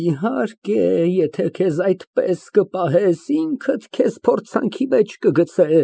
Իհարկե, եթե քեզ այդպես կպահես, ինքդ քեզ փորձանքի մեջ կգցես։